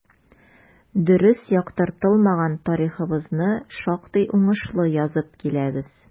Дөрес яктыртылмаган тарихыбызны шактый уңышлы язып киләбез.